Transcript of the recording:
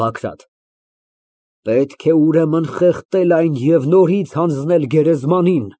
ԲԱԳՐԱՏ ֊ Պետք է, ուրեմն, խեղդել այն և նորից հանձնել գերեզմանին։